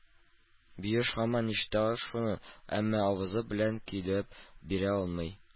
Биюш һаман ишетә шуны, әмма авызы белән көйләп бирә алмый.